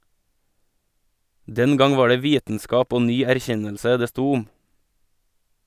Den gang var det vitenskap og ny erkjennelse det sto om.